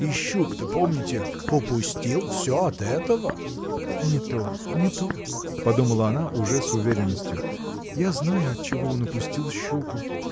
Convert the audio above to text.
И щуку-то, помните, упустил – все от этого. Не то не то – подумала она уже с уверенностью – я знаю отчего он упустил щуку.